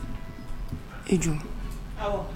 I jo